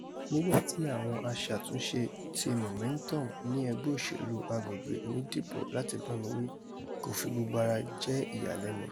nígbà tí àwọn aṣatúnṣe ti Momentum ni ẹgbẹ́ òṣèlu agbègbè mi dìbò láti bámi wí, kò fi gbogbo ara jẹ́ ìyàlẹ̵́nu.